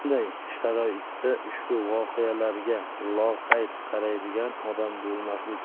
bunday sharoitda ushbu voqealarga loqayd qaraydigan odam bo'lmasa kerak